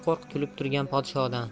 qo'rq kulib turgan podshodan